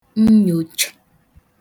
nnyòkchà